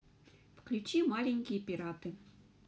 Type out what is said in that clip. включи маленькие пираты